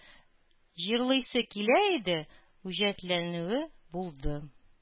Җырлыйсы килә иде, үҗәтләнүе булды